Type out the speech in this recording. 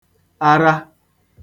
ara